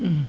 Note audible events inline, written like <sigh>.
<hesitation> <hesitation>